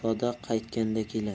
poda qaytganda kelar